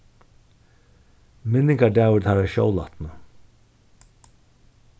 minningardagur teirra sjólátnu